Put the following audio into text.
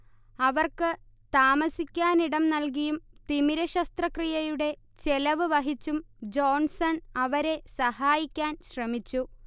അവർക്ക് താമസിക്കാനിടം നൽകിയും തിമിരശസ്ത്രക്രിയയുടെ ചെലവ് വഹിച്ചും ജോൺസൺ അവരെ സഹായിക്കാൻ ശ്രമിച്ചു